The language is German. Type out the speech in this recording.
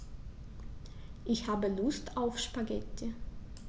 Ich habe Lust auf Spaghetti.